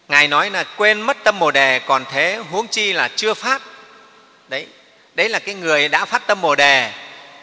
ngài nói là quên mất tâm bồ đề còn thế huống chi là chưa phát đấy là cái người đã phát tâm bồ đề